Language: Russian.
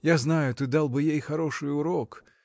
Я знаю, ты дал бы ей хороший урок.